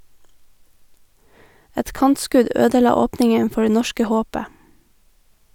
Et kantskudd ødela åpningen for det norske håpet.